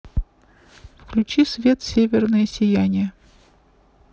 включи свет северное сияние